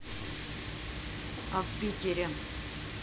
а в питере